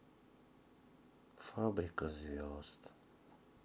фабрика звезд